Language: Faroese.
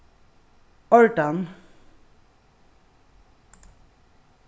ordan